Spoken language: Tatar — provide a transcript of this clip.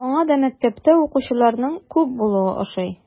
Аңа да мәктәптә укучыларның күп булуы ошый.